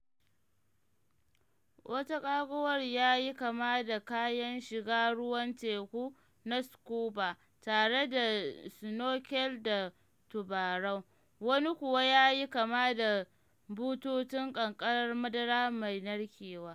Wata ƙagowar ya yi kama da kayan shiga ruwan teku na scuba tare da snorkel da tubarau, wani kuwa ya yi kama da bututun ƙanƙarar madara mai narkewa.